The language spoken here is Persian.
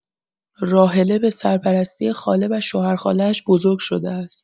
راحله به سرپرستی خاله و شوهرخاله‌اش بزرگ شده است.